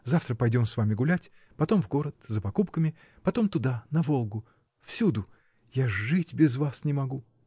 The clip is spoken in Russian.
Завтра пойдем с вами гулять, потом в город, за покупками, потом туда, на Волгу. всюду! Я жить без вас не могу!.